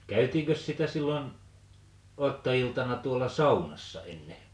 käytiinkös sitä silloin aattoiltana tuolla saunassa ennen